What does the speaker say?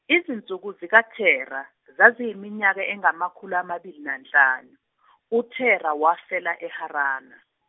izinsuku zikaThera zaziyiminyaka engamakhulu amabili nanhlanu, uThera wafela eHarana.